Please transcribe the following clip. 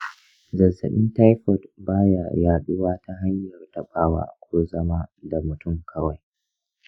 zazzabin taifot ba ya yaɗuwa ta hanyar taɓawa ko zama da mutum kawai.